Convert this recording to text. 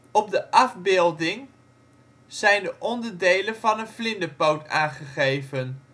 Op de afbeelding links zijn de onderdelen van een vlinderpoot aangegeven